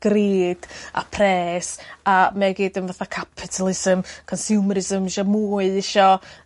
drud a pres a ma' e gyd yn fatha capitalism consumerism isio mwy isio